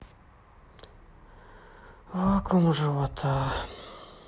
вакум живота